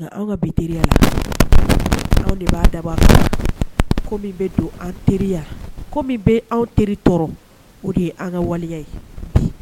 Anw Ka bi teriya, anw de ba daba ka ma . Ko min be don an teriya la ,ko min be anw teri tɔɔrɔ o de ye an ka waleya ye bi